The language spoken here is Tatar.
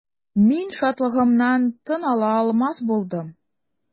Мин шатлыгымнан тын ала алмас булдым.